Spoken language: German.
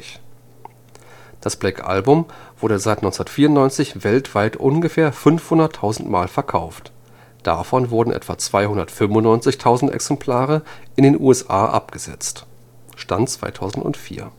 Album wurde seit 1994 weltweit ungefähr 500.000 Mal verkauft, davon wurden etwa 295.000 Exemplare in den USA abgesetzt. (Stand: 2004